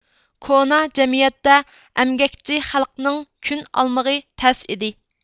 كونا جەمئىيەتتە ئەمگەكچى خەلقنىڭ كۈن ئالمىقى تەس ئىدى